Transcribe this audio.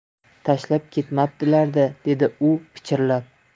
tashlab ketmabdilarda dedi u pichirlab